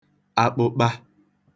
akpụkpa